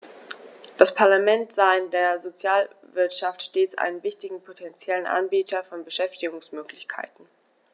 Das Parlament sah in der Sozialwirtschaft stets einen wichtigen potentiellen Anbieter von Beschäftigungsmöglichkeiten.